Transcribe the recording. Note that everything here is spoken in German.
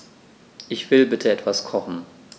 Ich will bitte etwas kochen.